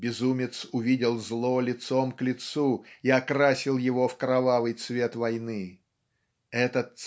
безумец увидел зло лицом к лицу и окрасил его в кровавый цвет войны. Это!